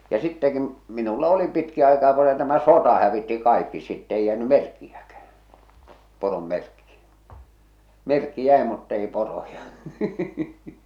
ja sittenkin minulla oli pitkin aikaa kun se tämä sota hävitti kaikki sitten ei jäänyt merkkiäkään poron merkki merkki jäi mutta ei poroja